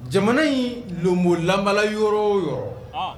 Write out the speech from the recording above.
Jamana in lan yɔrɔ o yɔrɔ